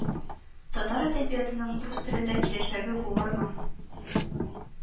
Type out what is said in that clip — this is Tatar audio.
Татар әдәбиятының рус телендә киләчәге булырмы